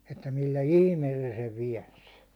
että millä ihmeellä se sen väänsi